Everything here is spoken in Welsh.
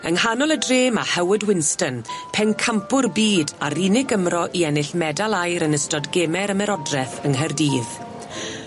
Yng nghanol y dre ma' Howard Winston pencampwr byd a'r unig Gymro i ennill medal aur yn ystod Geme'r Ymerodreth yng Nghaerdydd.